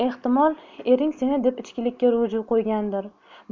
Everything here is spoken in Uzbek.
ehtimol ering seni deb ichkilikka ruju qo'ygandir